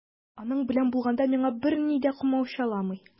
Аның белән булганда миңа берни дә комачауламый.